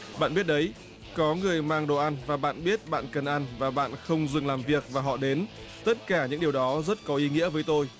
bạn biết đấy có người mang đồ ăn và bạn biết bạn cần ăn và bạn không dừng làm việc và họ đến tất cả những điều đó rất có ý nghĩa với tôi